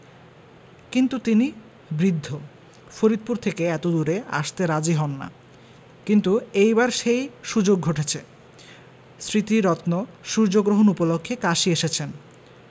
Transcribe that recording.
কিন্তু তিনি বৃদ্ধ ফরিদপুর থেকে এতদূরে আসতে রাজী হন না কিন্তু এইবার সেই সুযোগ ঘটেছে স্মৃতিরত্ন সূর্যগ্রহণ উপলক্ষে কাশী এসেছেন